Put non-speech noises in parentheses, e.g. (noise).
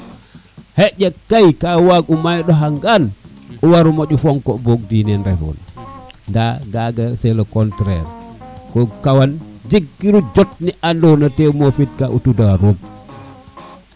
(music) xaƴa kay ka waag u may ndo xa ngaan o waro moƴo fonko book dine nen refo na nda gaga c' est le contraire ko kawan jeg kiro jot ne ando na te mofit ka o tuda roog